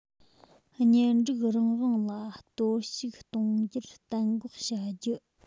གཉེན སྒྲིག རང དབང ལ གཏོར བཤིག གཏོང རྒྱུར གཏན འགོག བྱ རྒྱུ